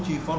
d' accord